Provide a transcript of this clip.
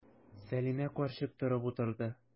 Сәлимә карчык торып утырды.